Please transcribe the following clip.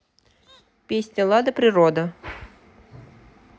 песня лада природа